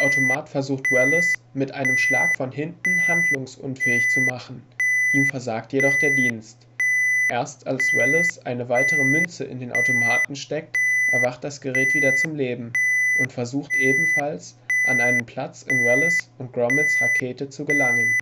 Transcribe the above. Automat versucht Wallace mit einem Schlag von hinten handlungsunfähig zu machen, ihm versagt jedoch der Dienst. Erst als Wallace eine weitere Münze in den Automaten steckt, erwacht das Gerät wieder zum Leben und versucht ebenfalls an einen Platz in Wallaces und Gromits Rakete zu gelangen.